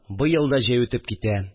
Быел да җәй үтеп китә